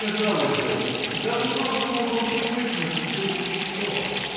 Казалось бы, давно бы мог он привыкнуть к звуку часов.